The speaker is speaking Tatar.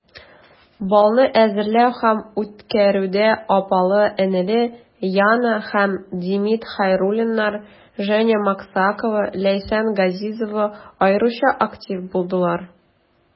Балны әзерләү һәм үткәрүдә апалы-энеле Яна һәм Демид Хәйруллиннар, Женя Максакова, Ләйсән Газизова аеруча актив булдылар.